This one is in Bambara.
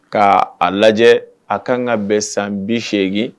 Ka a lajɛ a kan ka bɛn san 80